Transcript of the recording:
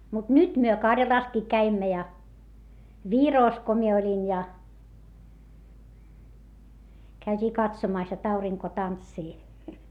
mutta nyt me Karjalassakin kävimme ja Virossa kun minä olin ja käytiin katsomassa jotta aurinko tanssii